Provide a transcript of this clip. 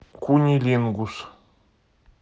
кунилингус